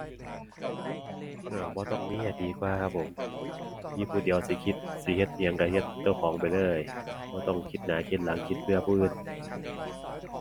เออ บ่ต้องมีอะ ดีกว่าครับผม อยู่ผู้เดียวสิคิด สิเฮ็ดหยังก็เฮ็ดเจ้าของไปเลย บ่ต้องคิดหน้าคิดหลัง คิดเผื่อผู้อื่น